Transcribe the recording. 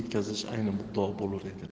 yetkazish ayni muddao bo'lur edi